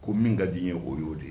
Ko min ka d di ye o y ye o de ye